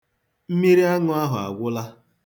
Mmiriaṅụ̄ ahụ agwụla.